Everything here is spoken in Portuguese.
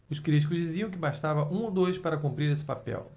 os críticos diziam que bastava um dos dois para cumprir esse papel